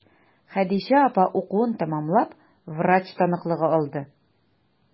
Хәдичә апа укуын тәмамлап, врач таныклыгы алды.